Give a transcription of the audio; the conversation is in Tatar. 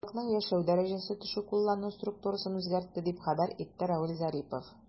Халыкның яшәү дәрәҗәсе төшү куллану структурасын үзгәртте, дип хәбәр итте Равиль Зарипов.